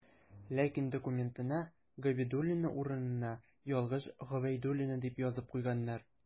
Ләкин документына «Габидуллина» урынына ялгыш «Гобәйдуллина» дип язып куйганнар.